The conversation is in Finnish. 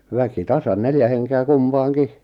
väki tasan neljä henkeä kumpaankin